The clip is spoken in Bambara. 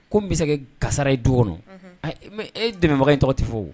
Ko n bɛ se gasara ye du kɔnɔ e dɛmɛbagaw in tɔgɔ tɛ fɔ